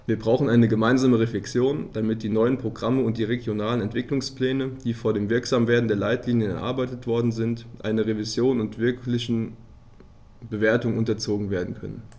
Wir brauchen eine gemeinsame Reflexion, damit die neuen Programme und die regionalen Entwicklungspläne, die vor dem Wirksamwerden der Leitlinien erarbeitet worden sind, einer Revision und wirklichen Bewertung unterzogen werden können.